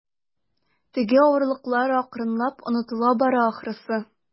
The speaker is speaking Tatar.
Теге авырлыклар акрынлап онытыла бара, ахрысы.